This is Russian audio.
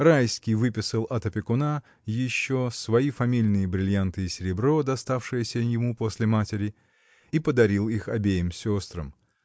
Райский выписал от опекуна еще свои фамильные брильянты и серебро, доставшееся ему после матери, и подарил их обеим сестрам.